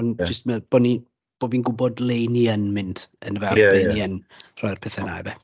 Ond jyst meddwl bod ni... bod fi'n gwbod le 'y ni yn mynd yndyfe, a ble ni yn roi'r pethe 'na ife.